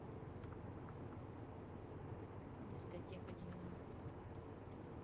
дискотека девяностых